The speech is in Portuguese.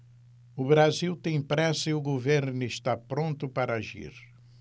o brasil tem pressa e o governo está pronto para agir